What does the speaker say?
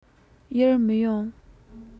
ཡར མི ཡོང